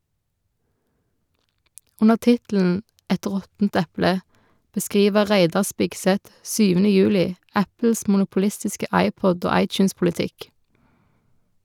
Under tittelen «Et råttent eple» beskriver Reidar Spigseth 7. juli Apples monopolistiske iPod- og iTunes-politikk.